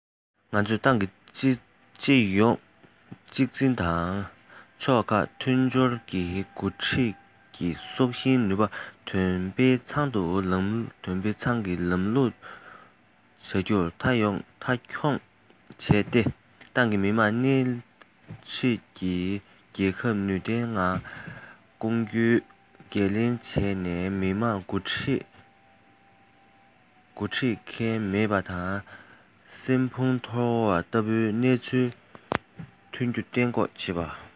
ང ཚོས ཏང གི སྤྱི ཡོངས གཅིག འཛིན དང ཕྱོགས ཁག མཐུན སྦྱོར གྱི འགོ ཁྲིད ཀྱི སྲོག ཤིང ནུས པ འདོན སྤེལ ཚང གི ལམ ལུགས བྱ རྒྱུ མཐའ འཁྱོངས བྱས ཏེ ཏང གིས མི དམངས སྣེ ཁྲིད དེ རྒྱལ ཁབ ནུས ལྡན ངང སྐྱོང རྒྱུའི འགན ལེན བྱས ནས མང ཚོགས འགོ འཁྲིད མཁན མེད པ དང སྲན ཕུང ཐོར བ ལྟ བུའི སྣང ཚུལ ཐོན རྒྱུ གཏན འགོག བྱེད དགོས